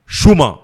Su ma